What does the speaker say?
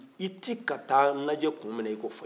i tɛ ka taa n lajɛ kun min na i k'o fɔ n ye